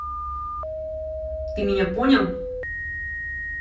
ты меня понял